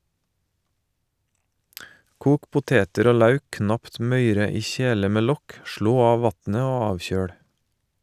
Kok poteter og lauk knapt møyre i kjele med lokk, slå av vatnet og avkjøl.